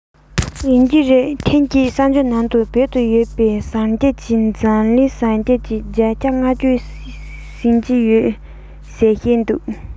ཡོད ཀྱི རེད རི མང པོ དང ས རྒྱ ཆེན པོ རེད པ